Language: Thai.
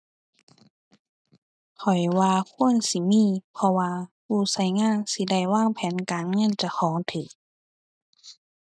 ข้อยว่าควรสิมี เพราะว่าผู้ใช้งานสิได้วางแผนการเงินเจ้าของใช้